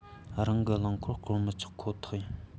རང གི རླངས འཁོར བསྐོར མི ཆོག ཁོ ཐག ཡིན